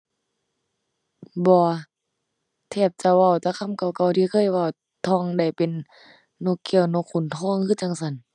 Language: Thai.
บ่ แทบจะเว้าแต่คำเก่าเก่าที่เคยเว้า ท่องได้เป็นนกแก้วนกขุนทองคือจั่งซั้น